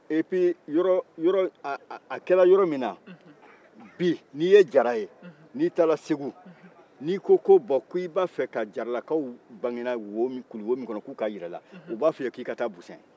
wa a kɛra yɔrɔ min na bi n'i ye jara ye n'i taara segu n'i ko ko jaralakaw bangera kuluwo min kɔnɔ k'u k'a jira i la u b'a fɔ i ye k'i ka taa busɛn